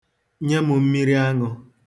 Nye m mmiriaṅụ.